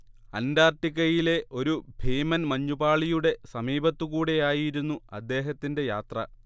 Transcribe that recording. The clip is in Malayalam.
അന്റാർട്ടിക്കയിലെ ഒരു ഭീമൻ മഞ്ഞുപാളിയുടെ സമീപത്തുകൂടിയായിരുന്നു അദ്ദേഹത്തിന്റെ യാത്ര